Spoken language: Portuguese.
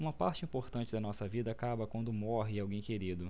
uma parte importante da nossa vida acaba quando morre alguém querido